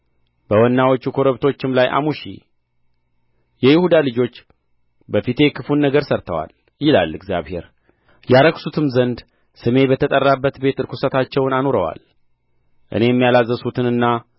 በወናዎች ኮረብቶችም ላይ አሙሺ የይሁዳ ልጆች በፊቴ ክፉን ነገር ሠርተዋል ይላል እግዚአብሔር ያረክሱትም ዘንድ ስሜ በተጠራበት ቤት ርኵሰታቸውን አኑረዋል እኔም ያላዘዝሁትንና